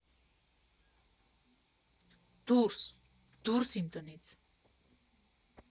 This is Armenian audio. Դո՛ւրս, դո՛ւրս իմ տնից։